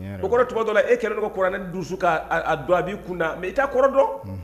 O kɔrɔ tɔgɔtɔ e kɛlɛ dɔgɔ kuranɛ dusu ka don a b'i kunda mɛ i t' kɔrɔn dɔn